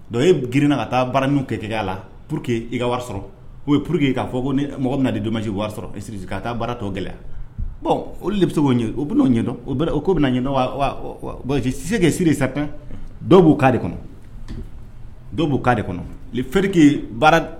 Don e girinna ka taa baara' kɛ kɛya la pur que i ka wari sɔrɔ o ye pur que ka fɔ ko mɔgɔ bɛna de don masi sɔrɔ siri ka taa baaratɔ gɛlɛya olu de bɛ se'o ye o bɛ n'o ɲɛdɔn o' bɛ na ɲɛna sisise ka siri sa tan dɔw b'u k'a de kɔnɔ dɔw b'u k'a de kɔnɔrike